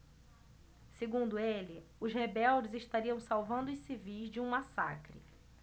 segundo ele os rebeldes estariam salvando os civis de um massacre